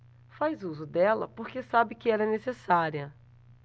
faz uso dela porque sabe que ela é necessária